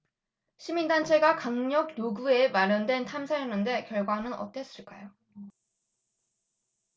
시민단체가 강력 요구해 마련된 탐사였는데 결과는 어땠을까요